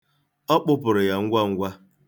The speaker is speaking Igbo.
Ọ kpụpụrụ ya ngwa ngwa..